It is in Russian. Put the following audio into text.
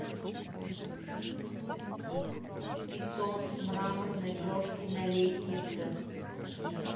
питон с мраморной крошкой на лестнице